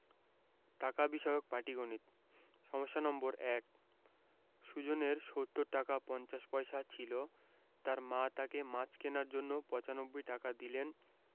টাকা বিষয়ক পাটিগনিতঃ সমস্যা নম্বর ১ সুজনের ৭০ টাকা ৫০ পয়সা ছিল তার মা তাকে মাছ কেনার জন্য ৯৫ টাকা দিলেন